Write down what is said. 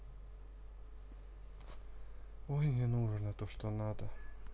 ой не нужно что то надо